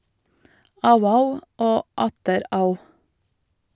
- Au-au, og atter au.